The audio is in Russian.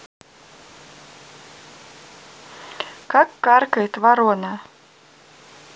как каркает ворона